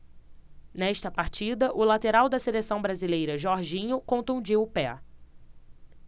nesta partida o lateral da seleção brasileira jorginho contundiu o pé